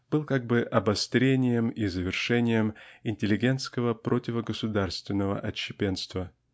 был как бы обострением и завершением интеллигентского противогосударственного отщепенства.